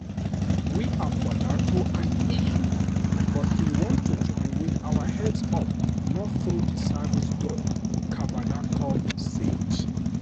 "We are for NATO and EU, but we want to join with our heads up, not through the service door" Kavadarkov said.